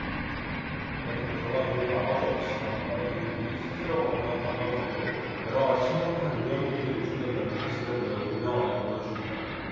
연구 결과들은 아버지 없이 자라는 어린이들이 신체적으로나 감정적으로 여러가지 심각한 위험 요소에 노출된다는 사실을 매우 분명하게 보여 줍니다